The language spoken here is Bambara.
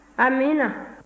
amiina